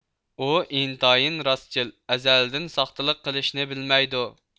ئۇ ئىنتايىن راستىچىل ئەزەلدىن ساختىلىق قىلىشنى بىلمەيدۇ